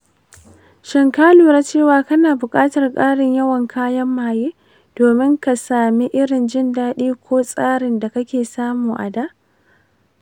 shin ka lura cewa kana buƙatar ƙarin yawan kayan maye domin ka sami irin jin daɗi ko tasirin da kake samu a da?